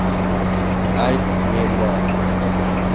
ayb menda